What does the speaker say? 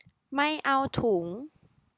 ไม่เอาถุง